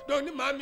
Donc ni maa